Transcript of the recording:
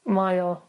Mae o